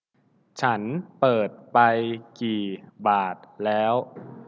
ฉันเปิดไปกี่บาทแล้ว